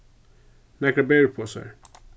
nakrar beriposar